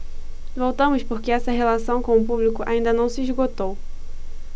voltamos porque essa relação com o público ainda não se esgotou